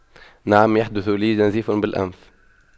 نعم يحدث لي نزيف بالأنف